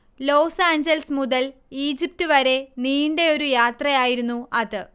Los Angeles മുതൽ Egypt വരെ നീണ്ടയൊരു യാത്രയായിരുന്നു അത്